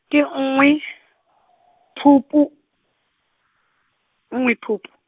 ke nngwe, Phupu, nngwe Phupu.